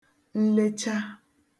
nlecha